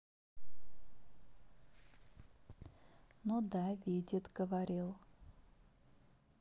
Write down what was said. ну да видит говорил